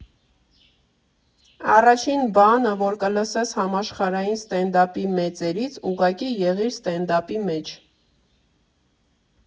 Առաջին բանը, որ կլսես համաշխարհային սթենդափի մեծերից՝ ուղղակի եղիր սթենդափի մեջ։